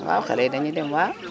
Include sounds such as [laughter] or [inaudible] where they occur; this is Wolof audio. waaw xale yi dañuy dem waaw [crosstalk]